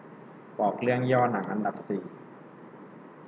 บอกเรื่องย่อหนังอันดับสี่